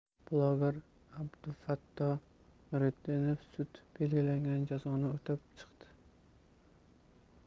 bloger abdufatto nuritdinov sud belgilagan jazoni o'tab chiqdi